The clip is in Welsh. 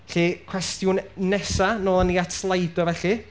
'lly cwestiwn nesa, nôl i ni at Slido felly.